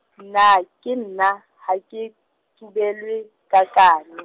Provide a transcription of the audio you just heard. nna ke nna, ha ke, tsubelwe kakana.